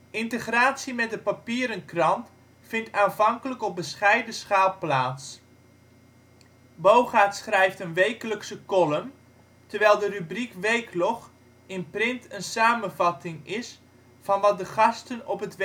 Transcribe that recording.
Integratie met de papieren krant vindt aanvankelijk op bescheiden schaal plaats (Bogaerts schrijft een wekelijkse column, terwijl de rubriek Weeklog in print een samenvatting is van wat de gasten op het